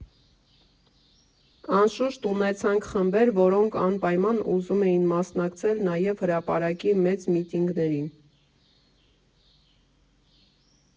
Անշուշտ ունեցանք խմբեր, որոնք անպայման ուզում էին մասնակցել նաև հրապարակի մեծ միտինգներին։